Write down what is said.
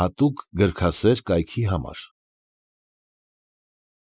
հատուկ գրքասեր կայքի համար։